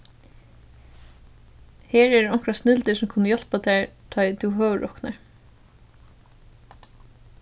her eru onkrar snildir sum kunnu hjálpa tær tá ið tú høvuðroknar